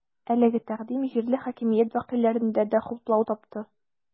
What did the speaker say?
Әлеге тәкъдим җирле хакимият вәкилләрендә дә хуплау тапты.